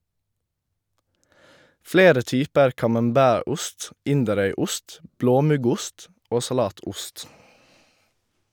Flere typer camembert-ost, Inderøyost, blåmuggost og salatost.